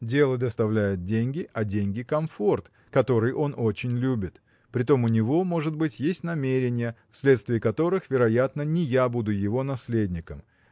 дело доставляет деньги, а деньги комфорт, который он очень любит. Притом у него может быть есть намерения вследствие которых вероятно не я буду его наследником.